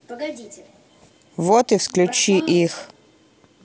вот и включи их